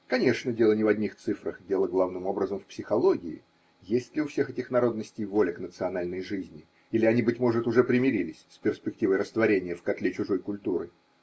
Конечно, дело не в одних цифрах, дело главным образом в психологии: есть ли у всех этих народностей воля к национальной жизни, или они, быть может, уже примирились с перспективой растворения в котле чужой культуры?